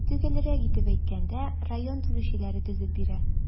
Төгәлрәк итеп әйткәндә, район төзүчеләре төзеп бирә.